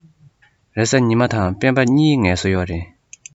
རེས གཟའ ཉི མ དང སྤེན པ གཉིས ཀར ངལ གསོ ཡོད རེད